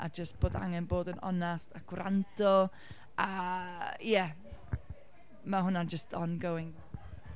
a jyst bod angen bod yn onest a gwrando a ie. Ma' hwnna'n just ongoing.